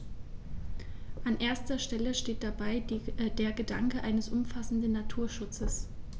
An erster Stelle steht dabei der Gedanke eines umfassenden Naturschutzes.